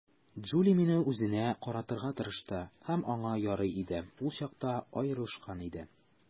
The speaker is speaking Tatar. Джули мине үзенә каратырга тырышты, һәм аңа ярый иде - ул чакта аерылышкан иде.